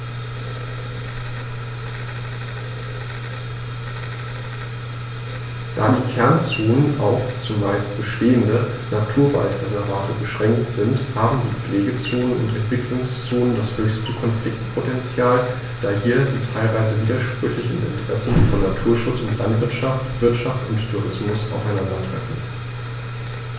Da die Kernzonen auf – zumeist bestehende – Naturwaldreservate beschränkt sind, haben die Pflegezonen und Entwicklungszonen das höchste Konfliktpotential, da hier die teilweise widersprüchlichen Interessen von Naturschutz und Landwirtschaft, Wirtschaft und Tourismus aufeinandertreffen.